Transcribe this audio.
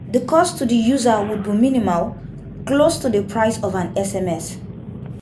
The cost to the user would be minimal — close to the price of an SMS.